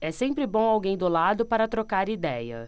é sempre bom alguém do lado para trocar idéia